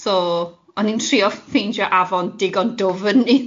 so o'n i'n trio ffeindio afon digon dwfn iddyn nhw actually,